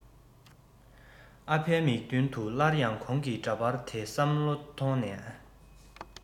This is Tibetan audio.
ཨ ཕའི མིག མདུན དུ སླར ཡང གོང གི འདྲ པར དེ བསམ བློ ཐོངས ནས